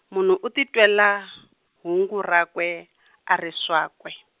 munhu u titwela, hungu rakwe, a ri swakwe.